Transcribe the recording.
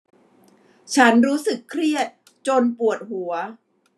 ฉันรู้สึกเครียดจนปวดหัว